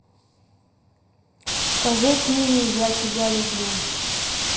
скажи отмени я тебя люблю